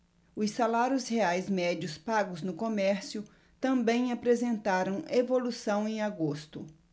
os salários reais médios pagos no comércio também apresentaram evolução em agosto